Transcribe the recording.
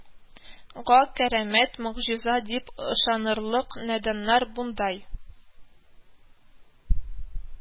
Га кәрамәт-могҗиза дип ышанырлык наданнар, бундай